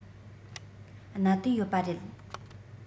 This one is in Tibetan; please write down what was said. གནད དོན ཡོད པ རེད